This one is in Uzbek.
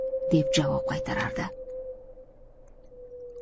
deb javob qaytarardi